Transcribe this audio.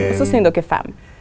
og så syng dokker fem.